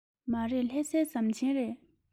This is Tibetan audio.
མ རེད ལྷ སའི ཟམ ཆེན རེད